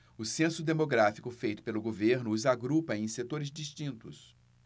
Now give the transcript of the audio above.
o censo demográfico feito pelo governo os agrupa em setores distintos